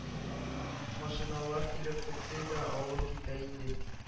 Машиналар килеп туктый да алып китә иде.